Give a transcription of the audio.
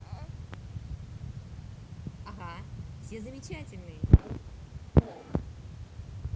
ага все замечательные